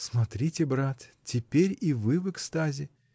— Смотрите, брат, теперь и вы в экстазе!